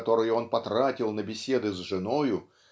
которые он потратил на беседы с женою